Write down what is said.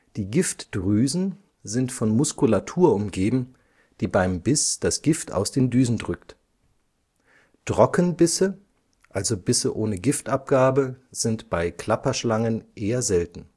Die Giftdrüsen sind von Muskulatur umgeben, die beim Biss das Gift aus den Drüsen drückt. Trockenbisse, also Bisse ohne Giftabgabe, sind bei Klapperschlangen eher selten